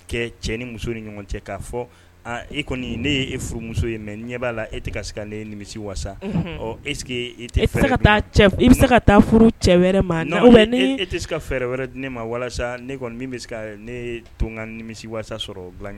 Cɛ ni muso ni ɲɔgɔn cɛ fɔ e kɔni ne ye e furu muso ye mɛ ɲɛ b'a la e tɛ se ne nimi walasasa e tɛ e tɛ ka taa e bɛ se ka taa furu cɛ wɛrɛ ma e tɛ se ka fɛ wɛrɛ di ne ma walasa ne kɔni min bɛ se ne to ka nimi walasasa sɔrɔ